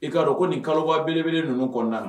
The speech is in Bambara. I k'a dɔn ko ni kaloba belebele ninnu kɔnda